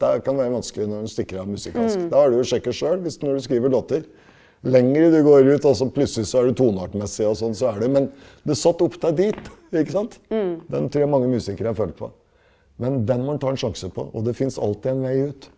det kan være vanskelig når en stikker av musikalsk, da er du jo å sjekke sjøl, hvis når du skriver låter lengre du går ut og så plutselig så er du toneartmessig og sånn så er du men det satt opp til dit ikke sant, den trur jeg mange musikere har følt på, men den man tar en sjanse på og det fins alltid en vei ut.